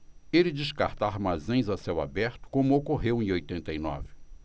ele descarta armazéns a céu aberto como ocorreu em oitenta e nove